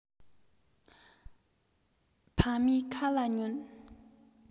ཕ མའི ཁ ལ ཉོན